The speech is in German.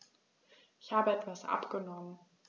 Ich habe etwas abgenommen.